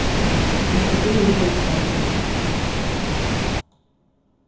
eg skal bíða her til hann kemur aftur